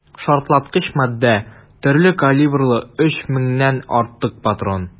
Шартлаткыч матдә, төрле калибрлы 3 меңнән артык патрон.